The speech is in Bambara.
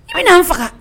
I bɛ an faga